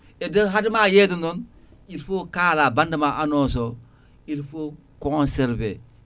e dow hadema yeyde noon il faut kala bande ma annonce o il faut conservé